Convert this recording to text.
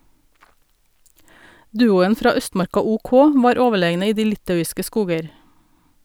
Duoen fra Østmarka OK var overlegne i de litauiske skoger.